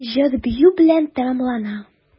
Җыр-бию белән тәмамлана.